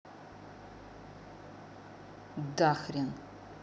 да хрен